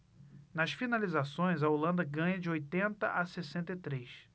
nas finalizações a holanda ganha de oitenta a sessenta e três